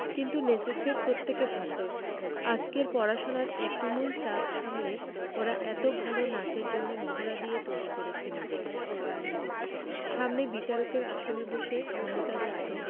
কিন্তু নেচেছে প্রত্যেকে ভাল আজকের পড়াশোনার এই তুমুল চাপ সামলে ওরা এত ভাল নাচের জন্য মহড়া দিয়ে তৈরী করেছে নিজেদের সামনে বিচারকের আসনে বসে অমিতা দত্ত